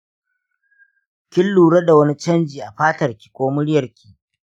kin lura da wani canji a fatarki ko muryarki?